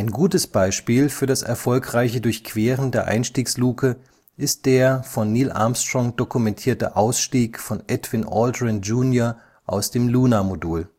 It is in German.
gutes Beispiel für das erfolgreiche Durchqueren der Einstiegsluke ist der von Neil A. Armstrong dokumentierte Ausstieg von Edwin E. Aldrin, Jr. aus dem LM